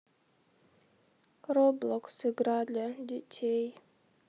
роблокс игра для детей